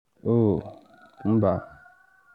Oh, mba.